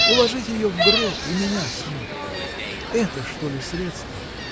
уложить ее в гроб и меня с ней!. Это, что ли, средство?